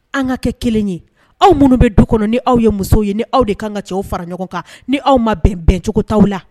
An ka kɛ kelen ye aw minnu bɛ du kɔnɔ ni aw ye musow ye ni aw de ka kan ka cɛw fara ɲɔgɔn kan ni aw ma bɛn bɛncogotaa la